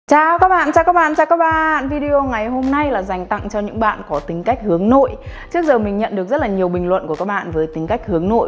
chào các bạn chào các bạn chào các bạn video ngày hôm nay là dành tặng cho những bạn có tính cách hướng nội trước giờ mình nhận được rất là nhiều bình luận của các bạn với tính cách hướng nội